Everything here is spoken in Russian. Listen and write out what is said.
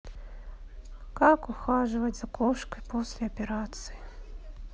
как ухаживать за кошкой после операции